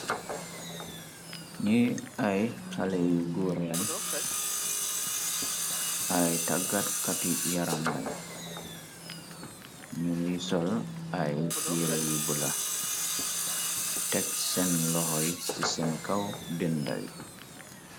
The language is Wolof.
ni ay xale yu góor lañ ay tàggaat kati yaram lañ ñu ngiy sol ay yére yu bula teg seen loxoy ci seen kaw dindawi